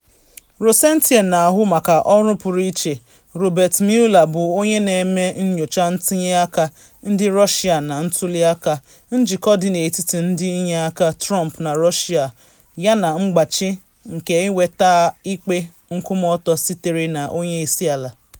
Rosenstein na-ahụ maka ọrụ pụrụ iche Robert Mueller bụ onye na-eme nyocha ntinye aka ndị Russia na ntuli aka, njikọ dị n’etiti ndị inyeaka Trump na Russia yana mgbachi nke inweta ikpe nkwumọtọ sitere na onye isi ala.